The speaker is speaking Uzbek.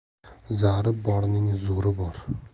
zari borning zo'ri bor